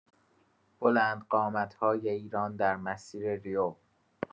بلند قامت‌های ایران در مسیر ریو